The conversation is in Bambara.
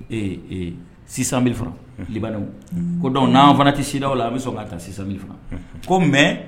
Ee 600.000 francs unhun Libanɛw, ko donc n'an fana tɛ CEDEAO an bɛ son ka ta 600.000 francs unhun, ko mais